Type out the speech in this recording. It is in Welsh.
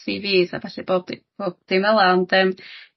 dros See Vees a bellu bob di- wel dim fela ond yym